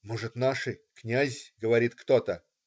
"Может, наши - князь",- говорит кто-то.